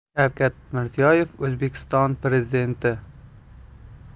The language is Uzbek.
shavkat mirziyoyev o'zbekiston prezidenti